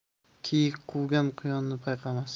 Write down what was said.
kiyik quvgan quyonni payqamas